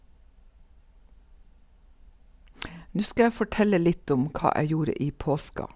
Nu skal jeg fortelle litt om hva jeg gjorde i påska.